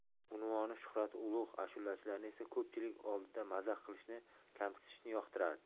unvoni shuhrati ulug' ashulachilarni esa ko'pchilik oldida mazax qilishni kamsitishni yoqtirardi